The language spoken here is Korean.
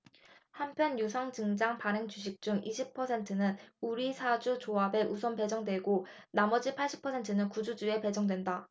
한편 유상증자 발행주식 중 이십 퍼센트는 우리사주조합에 우선 배정되고 나머지 팔십 퍼센트는 구주주에 배정된다